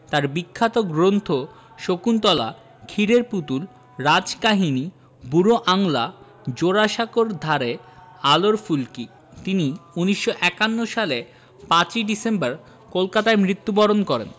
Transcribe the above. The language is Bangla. তার বিখ্যাত গ্রন্থ শকুন্তলা ক্ষীরের পুতুল রাজকাহিনী বুড়ো আংলা জোড়াসাঁকোর ধারে আলোর ফুলকি তিনি ১৯৫১ সালে ৫ই ডিসেম্বর কলকাতায় মৃত্যুবরণ করেন